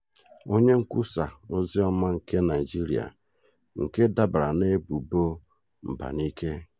Onye Nkwusa Oziọma nke Naịjirịa nke dabara n'ebubo mbanike